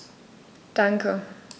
Danke.